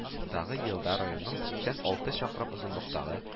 Дагы елда районның сиксэн алты чакрым озынлыктагы